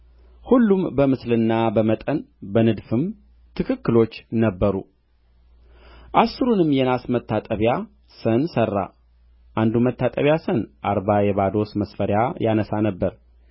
ሁሉም በምስልና በመጠን በንድፍም ትክክሎች ነበሩ አሥሩንም የናስ መታጠቢያ ሰን ሠራ አንዱ መታጠቢያ ሰን አርባ የባዶስ መስፈሪያ ያነሣ ነበር